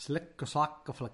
Slick or slack or flick.